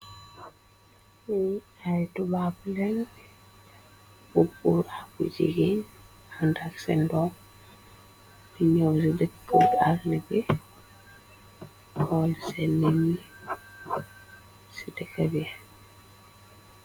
Aytubabalañ be bubur abu jigen andak senndom di ñowgi dëkkare arne be xol sen nani ci dëkkarie.